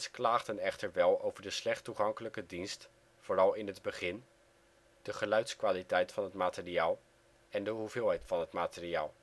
klaagden echter wel over de slecht toegankelijke dienst (vooral in het begin), de geluidskwaliteit van het materiaal en de hoeveelheid van het materiaal